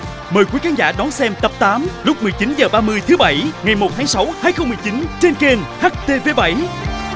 mời quý khán giả đón xem tập tám lúc mười chín giờ ba mươi bảy ngày một tháng sáu hai không mười chín trên kênh hắt tê vê bảy